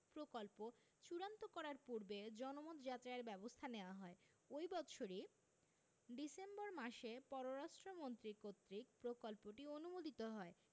প্রকল্প চূড়ান্ত করার পূর্বে জনমত যাচাইয়ের ব্যবস্থা নেওয়া হয় ঐ বৎসরই ডিসেম্বর মাসে পররাষ্ট্র মন্ত্রী কর্তৃক প্রকল্পটি অনুমোদিত হয়